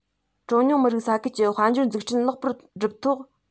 གྲངས ཉུང མི རིགས ས ཁུལ གྱི དཔལ འབྱོར འཛུགས སྐྲུན ལེགས པར བསྒྲུབ ཐོག